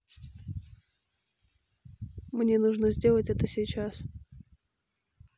мне нужно сделать это сейчас